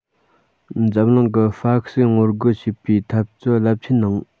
འཛམ གླིང གི ཧྥ ཤི སིར ངོ རྒོལ བྱེད པའི འཐབ རྩོད རླབས ཆེན ནང